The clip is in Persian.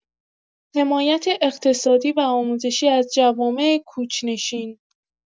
حمایت اقتصادی و آموزشی از جوامع کوچ‌نشین